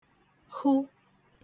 -hu